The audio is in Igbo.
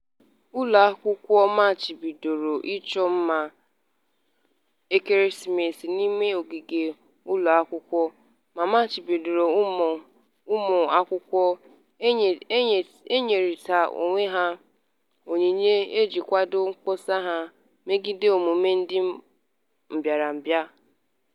Ụlọakwụkwọ machibidoro ịchọ mma ekeresimesi n'ime ogige ụlọakwụkwọ ma machibido ụmụakwụkwọ ịnyerịta onwe ha onyinye iji kwado mkpọsa ha megide emume ndị mbịarambịa.